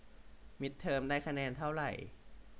มิดเทอมได้คะแนนเท่าไหร่